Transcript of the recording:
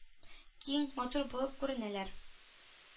Киң, матур булып күренәләр.